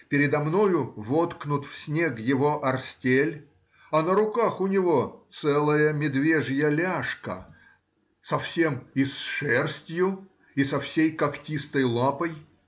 передо мною воткнут в снег его орстель, а на руках у него целая медвежья ляжка, совсем и с шерстью и со всей когтистой лапой.